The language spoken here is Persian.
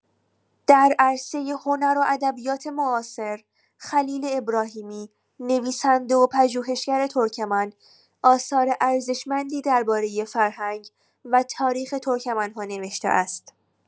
در عرصه هنر و ادبیات معاصر، خلیل ابراهیمی، نویسنده و پژوهشگر ترکمن، آثار ارزشمندی درباره فرهنگ و تاریخ ترکمن‌ها نوشته است.